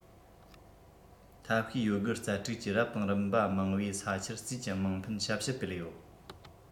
ཐབས ཤེས ཡོད རྒུ རྩལ སྤྲུགས ཀྱིས རབ དང རིམ པ མང བའི ས ཆར བརྩིས ཀྱི དམངས ཕན ཞབས ཞུ སྤེལ ཡོད